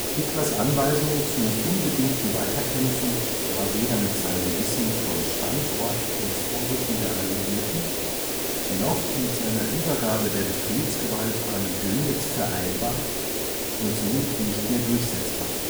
Hitlers Anweisung zum unbedingten Weiterkämpfen war weder mit seinem Wissen vom Standort und Vorrücken der Alliierten noch mit seiner Übergabe der Befehlsgewalt an Dönitz vereinbar und somit nicht mehr durchsetzbar